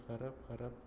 qarab qarab qo'yadi